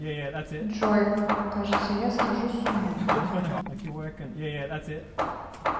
joey кажется я схожу с ума